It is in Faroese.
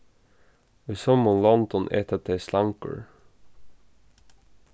í summum londum eta tey slangur